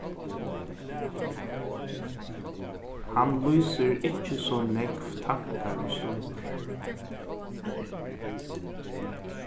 hann lýsir ikki so nógv tankar og støður